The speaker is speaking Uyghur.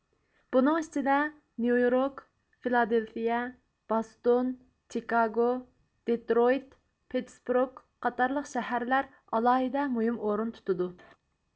بۇنىڭ ئىچىدە نيويورك فىلادېلفىيە باستون چېكاگو دېتىرويىت پىتتىسىپۇرگ قاتارلىق شەھەرلەر ئالاھىدە مۇھىم ئورۇن تۇتىدۇ